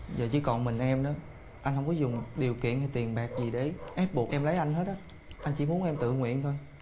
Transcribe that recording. giờ chỉ còn mình em đó anh không có dùng điều kiện hay tiền bạc gì để ép buộc em lấy anh hết ớ anh chỉ muốn em tự nguyện thôi